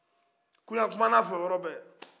koya kumana a fɛ o yɔrɔbɛ